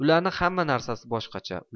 ulani hamma narsasi boshqacha